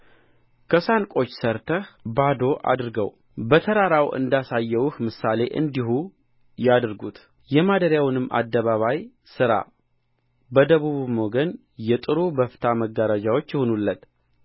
ከሳንቆች ሠርተህ ባዶ አድርገው በተራራው እንዳሳየሁህ ምሳሌ እንዲሁ ያድርጉት የማደሪያውንም አደባባይ ሥራ በደቡብ ወገን የጥሩ በፍታ መጋረጆች ይሁኑለት